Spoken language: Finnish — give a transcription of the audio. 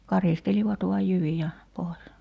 karistelivat vain jyviä pois